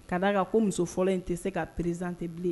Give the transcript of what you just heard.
K'a da kan ko muso fɔlɔ in tɛ se ka présenté bilen.